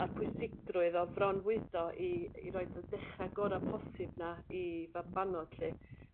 a pwysigrwydd o fronfwydo i i roid y dechra gora' posib 'na i fabanod 'lly.